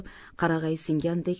qarag'ay singandek